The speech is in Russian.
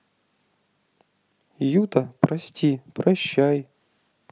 юта прости прощай